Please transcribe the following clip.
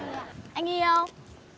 anh yêu